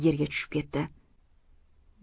yerga tushib ketdi